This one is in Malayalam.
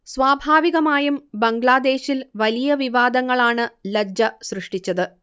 സ്വാഭാവികമായും ബംഗ്ലാദേശിൽ വലിയ വിവാദങ്ങളാണ് ലജ്ജ സൃഷ്ടിച്ചത്